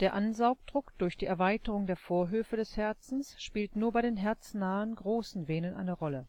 Der Ansaugdruck durch die Erweiterung der Vorhöfe des Herzens spielt nur bei den herznahen großen Venen eine Rolle